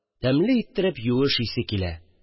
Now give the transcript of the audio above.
Тәмле иттереп юеш исе килә